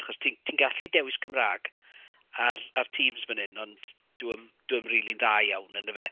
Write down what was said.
Achos ti ti'n gallu dewis Cymraeg ar ar Teams fan hyn, ond dyw e'm, dyw e'm yn rili'n dda iawn yn dyfe.